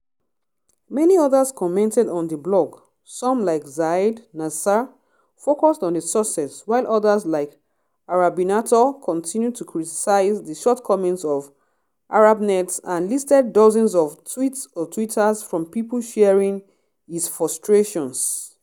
Many others commented on the blog: some like Ziad Nasser focused on the success, while others like Arabinator continued to criticize the shortcomings of Arabnet and listed dozens of tweets[ar] from people sharing his frustrations.